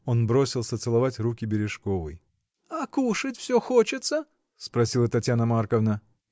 Он бросился целовать руки Бережковой. — А кушать всё хочется? — спросила Татьяна Марковна.